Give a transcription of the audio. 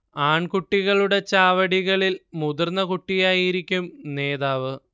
ആൺകുട്ടികളുടെ ചാവടികളിൽ മുതിർന്ന കുട്ടികളായിരിക്കും നേതാവ്